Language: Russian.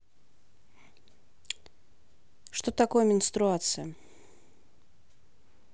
что такое менстуация